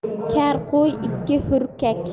kar qo'y ikki hurkar